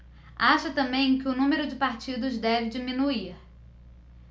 acha também que o número de partidos deve diminuir